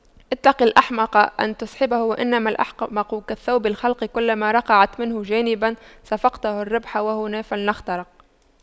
اتق الأحمق أن تصحبه إنما الأحمق كالثوب الخلق كلما رقعت منه جانبا صفقته الريح وهنا فانخرق